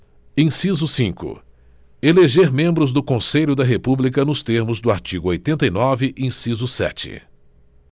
inciso cinco eleger membros do conselho da república nos termos do artigo oitenta e nove inciso sete